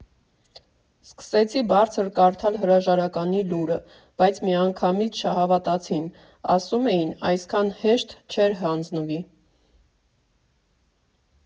Սկսեցի բարձր կարդալ հրաժարականի լուրը, բայց միանգամից չհավատացին, ասում էին՝ այսքան հեշտ չէր հանձնվի։